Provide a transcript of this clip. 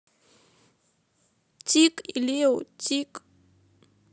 тиг и лео тиг